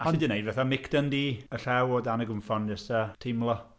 Ond... alli di wneud fatha Mick Dundee, a llaw o dan y gynffon jyst a teimlo.